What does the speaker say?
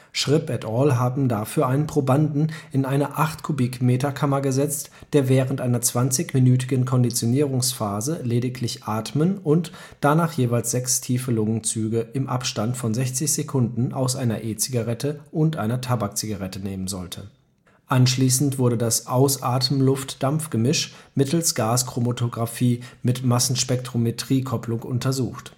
Schripp et al. haben dafür einen Probanden in eine 8 m³-Kammer gesetzt, der während einer 20-minütigen Konditionierungsphase lediglich atmen und danach jeweils sechs tiefe Lungenzüge im Abstand von 60 Sekunden aus einer E-Zigarette und einer Tabakzigarette nehmen sollte. Anschließend wurde das Ausatemluft/Dampfgemisch mittels Gaschromatographie mit Massenspektrometrie-Kopplung untersucht